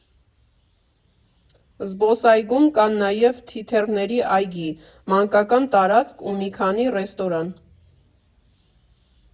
Զբոսայգում կան նաև թիթեռների այգի, մանկական տարածք ու մի քանի ռեստորան.